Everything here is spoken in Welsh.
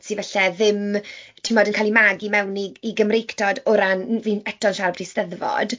sy falle ddim timod yn cael eu magu i mewn i i Gymreigtod o ran... fi'n eto'n siarad ambiti Eisteddfod.